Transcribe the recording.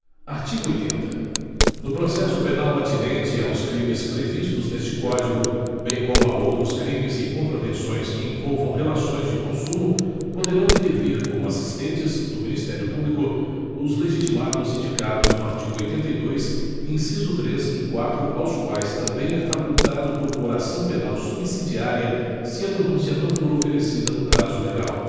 artigo oitenta no processo penal atinente aos crimes previstos neste código bem como a outros crimes e contravenções que envolvam relações de consumo poderão intervir como assistentes do ministério público os legitimados indicados no artigo oitenta e dois inciso três e quatro aos quais também é facultado propor ação penal subsidiária se a denúncia não for oferecida no prazo legal